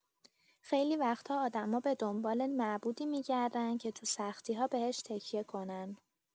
خیلی وقت‌ها آدم‌ها به دنبال معبودی می‌گردن که تو سختی‌ها بهش تکیه کنن.